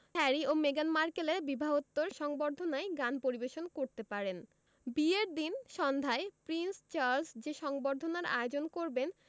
Harry ও মেগান মার্কেলের বিবাহোত্তর সংবর্ধনায় গান পরিবেশন করতে পারেন বিয়ের দিন সন্ধ্যায় প্রিন্স চার্লস যে সংবর্ধনার আয়োজন করবেন